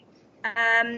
Yym